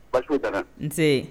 Basi taara nse